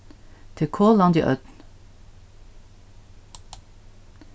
tað er kolandi ódn